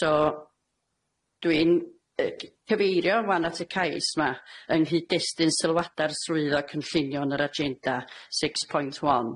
So dwi'n yy g- cyfeirio wan at y cais 'ma yng nghyd-destun sylwadau'r Swyddog Cynllunio yn yr agenda, six point one.